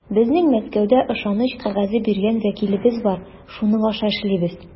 Безнең Мәскәүдә ышаныч кәгазе биргән вәкилебез бар, шуның аша эшлибез.